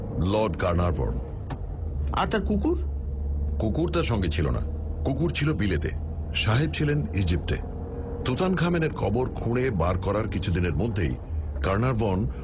Lord Carnarvon কুকুর তার সঙ্গে ছিল না কুকুর ছিল বিলেতে সাহেব ছিলেন ইজিপ্টে তুতানখামেনের কবর খুঁড়ে বার করার কিছুদিনের মধ্যেই কারনারভন